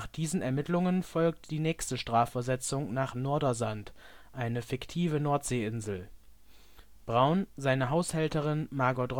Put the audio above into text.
diesen Ermittlungen folgt die nächste Strafversetzung nach Nordersand, eine fiktive Nordseeinsel. Braun, seine Haushälterin Margot